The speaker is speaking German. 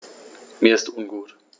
Mir ist ungut.